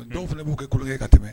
Dɔn fana b'u kɛ kulu ye ka tɛmɛ